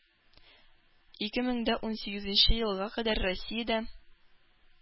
Ике мең дә унсигезенче елга кадәр Россиядә,